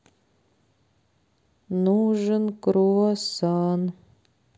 нужен круассан